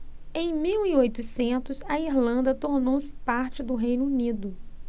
em mil e oitocentos a irlanda tornou-se parte do reino unido